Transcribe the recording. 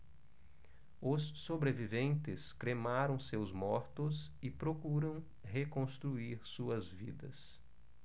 os sobreviventes cremaram seus mortos e procuram reconstruir suas vidas